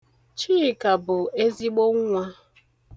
Chika bụ ezigbo nwa.